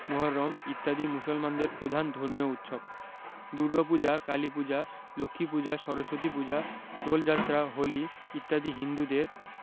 মুহররম ইত্যাদি মুসলমানদের প্রধান ধর্মীয় উৎসব দুর্গাপূজা কালীপূজা লক্ষ্মীপূজা সরস্বতীপূজা দোলযাত্রা হোলি ইত্যাদি হিন্দুদের